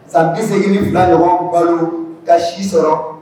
San 82 ɲɔgɔn balo ka si sɔrɔ